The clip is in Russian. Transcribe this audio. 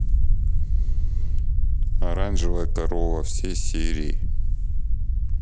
оранжевая корова все серии